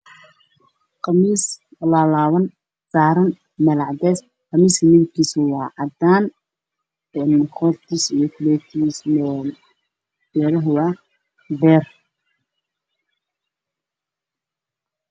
Khamiis laalaaban saaran meel cadaan